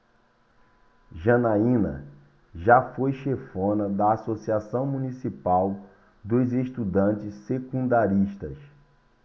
janaina foi chefona da ames associação municipal dos estudantes secundaristas